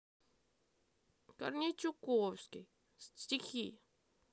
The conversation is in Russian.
корней чуковский стихи